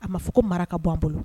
A ma fɔ ko mara maraka ka bɔ'an bolo